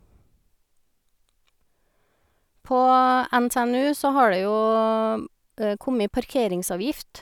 På NTNU så har det jo kommet parkeringsavgift.